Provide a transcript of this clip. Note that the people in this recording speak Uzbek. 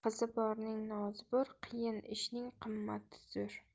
qizi borning nozi bor qiyin ishning qimmati zo'r